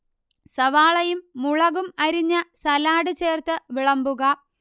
സവാളയും മുളകും അരിഞ്ഞ സലാഡ് ചേർത്ത് വിളമ്പുക